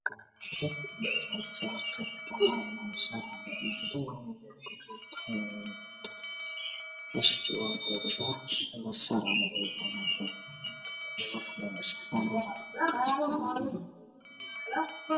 Waa labo gabdhood oo cilaan u marsan yahay